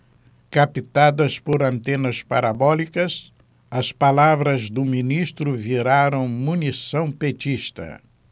captadas por antenas parabólicas as palavras do ministro viraram munição petista